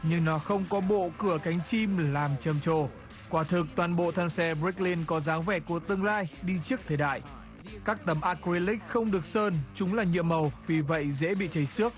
nhưng nó không có bộ cửa cánh chim làm trầm trồ quả thực toàn bộ thân xe bờ rếch lin có dáng vẻ của tương lai đi trước thời đại các tấm a cờ rin líc không được sơn chúng là nhựa màu vì vậy dễ bị trầy xước